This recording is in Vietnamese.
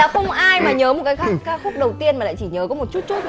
không ai mà nhớ một ca khúc đầu tiên mà lại chỉ nhớ có một chút chút